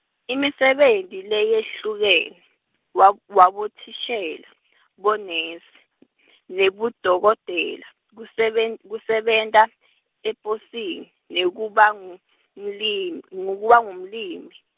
imisebenti leyehlukene, wa- webuthishela , bunesi , nebudokotela, kuseben- kusebenta eposini, nekuba ngu- ngulim- nekuba ngumlimi.